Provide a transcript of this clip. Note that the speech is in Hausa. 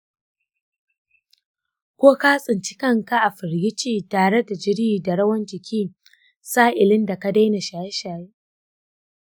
ko ka tsinci kanka a firgice tare da jiri da rawan jiki sa'ilin da ka daina shaye-shaye?